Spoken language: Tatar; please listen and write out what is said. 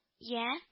— йә